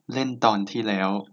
เล่นตอนที่แล้ว